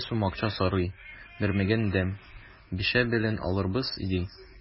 Ике сум акча сорый, бирмәгән идем, бише белән алырбыз, ди.